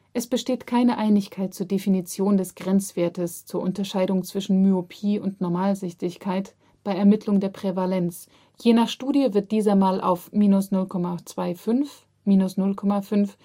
Es besteht keine Einigkeit zur Definition des Grenzwertes zur Unterscheidung zwischen Myopie und Normalsichtigkeit bei Ermittlung der Prävalenz, je nach Studie wird dieser mal auf −0,25, −0,50, −0,75